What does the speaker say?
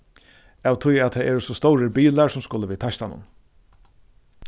av tí at tað eru so stórir bilar sum skulu við teistanum